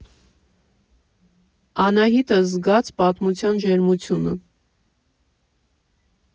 Անահիտը զգաց պատմության ջերմությունը։